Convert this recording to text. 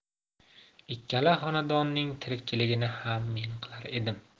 ikkala xonadonning tirikchiligini xam men qilar edim